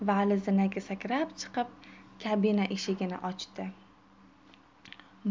vali zinaga sakrab chiqib kabina eshigini ochdi